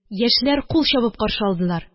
Яшьләр кул чабып каршы алдылар.